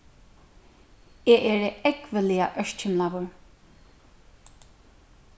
eg eri ógvuliga ørkymlaður